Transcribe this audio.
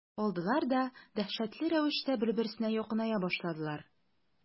Алдылар да дәһшәтле рәвештә бер-берсенә якыная башладылар.